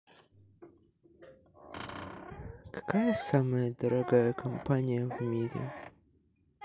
какая самая дорогая компания в мире